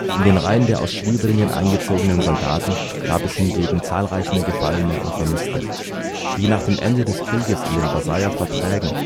In den Reihen der aus Schwieberdingen eingezogenen Soldaten gab es hingegen zahlreiche Gefallene und Vermisste. Die nach dem Ende des Krieges in den Versailler Verträgen